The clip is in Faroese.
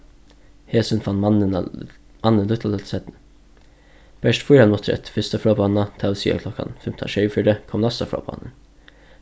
hesin fann mannin mannin lítla løtu seinni bert fýra minuttir eftir fyrstu fráboðanina tað vil siga klokkan fimtan sjeyogfjøruti kom næsta fráboðanin